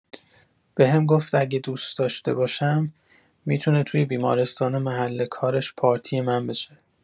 بهم گفت اگه دوست داشته باشم، می‌تونه توی بیمارستان محل کارش پارتی من بشه.